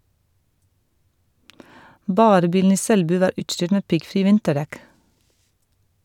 Bare bilen i Selbu var utstyrt med piggfri vinterdekk.